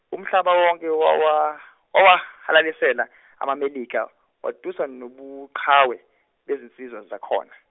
umhlaba wonke wawa- wawahalalisela amaMelika, watusa nobuqhawe, bezinsizwa zakhona.